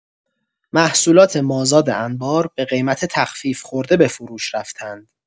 محصولات مازاد انبار به قیمت تخفیف‌خورده به فروش رفتند.